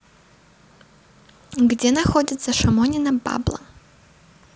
где находится шамонина бабла